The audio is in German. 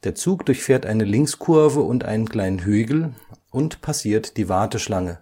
Zug durchfährt eine Linkskurve und einen kleinen Hügel und passiert die Warteschlange